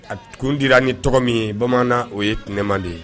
A kundira ni tɔgɔ min ye bamanan o ye t man de ye